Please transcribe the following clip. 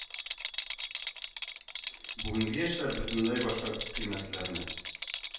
Бүгенге яшьләр бөтенләй башка кыйммәтләрне